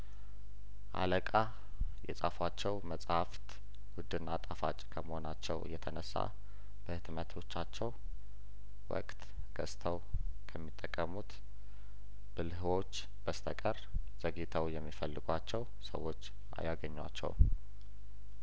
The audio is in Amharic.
አለቃ የጻፏቸው መጽሀፍት ውድና ጣፋጭ ከመሆ ናቸው የተነሳ በህትመቶቻቸው ወቅት ገዝተው ከሚ ጠቀሙት ብልህዎች በስተቀር ዘግይተው የሚፈልጓቸው ሰዎች አያገኟቸውም